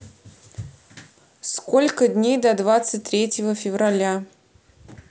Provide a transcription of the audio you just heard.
сколько дней до двадцать третьего февраля